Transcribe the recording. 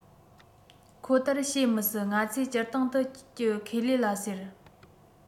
ཁོ ལྟར བྱེད མི སྲིད ང ཚོས སྤྱིར བཏང དུ གྱི ཁེ ལས ལ ཟེར